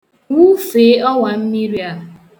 Wụfee ọwammiri a.